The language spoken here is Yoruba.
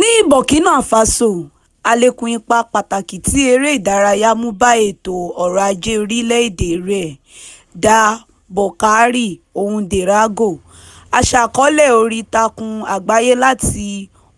Ní Burkina Faso, àlékún ipa pàtàkì tí eré ìdárayá mú bá ètò ọrọ̀-ajé orílẹ̀-èdè rẹ dá Boukari Ouédraogo, aṣàkọọ́lẹ̀ oríìtakùn àgbáyé láti